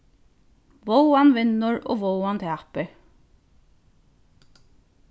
vágan vinnur og vágan tapir